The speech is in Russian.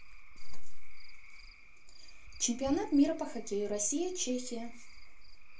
чемпионат мира по хоккею россия чехия